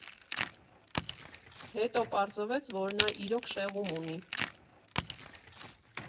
Հետո պարզվեց, որ նա իրոք շեղում ունի։